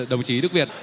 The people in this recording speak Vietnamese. đồng chí đức việt